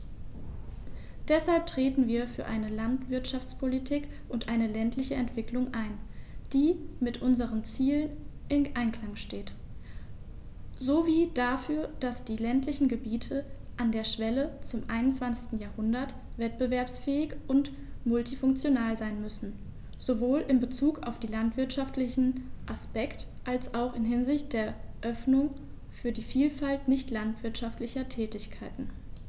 Deshalb treten wir für eine Landwirtschaftspolitik und eine ländliche Entwicklung ein, die mit unseren Zielen im Einklang steht, sowie dafür, dass die ländlichen Gebiete an der Schwelle zum 21. Jahrhundert wettbewerbsfähig und multifunktional sein müssen, sowohl in Bezug auf den landwirtschaftlichen Aspekt als auch hinsichtlich der Öffnung für die Vielfalt nicht landwirtschaftlicher Tätigkeiten.